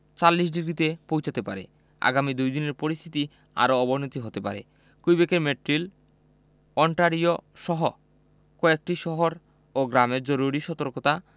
৪০ ডিগ্রিতে পৌঁছাতে পারে আগামী দুইদিনের পরিস্থিতির আরও অবনতি হতে পারে কুইবেকের মেট্রিল ওন্টারিওসহ কয়েকটি শহর ও গ্রামে জরুরি সতর্কতা